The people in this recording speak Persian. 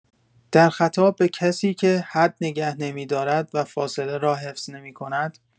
در خطاب به کسی که حد نگه نمی‌دارد و فاصله را حفظ نمی‌کند